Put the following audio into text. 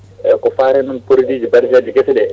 eyyi taw tan produit ji baɗɗi baaɗi gueseɗe